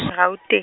Gaute-.